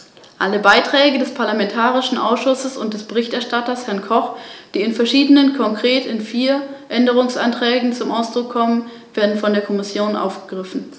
Herr Präsident, mir ist es ebenso wie meinem Kollegen Herrn Evans eine besondere Freude, erstmals in diesem Haus zu diesem sehr wichtigen Problem das Wort zu ergreifen, zumal ich mit den West Midlands einen Teil des Vereinigten Königreichs vertrete, der bisher in den Genuß von Ziel-2-Fördermitteln gekommen ist.